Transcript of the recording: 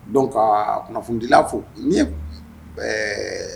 Dɔn ka kunnafonidila fo nin ye ɛɛ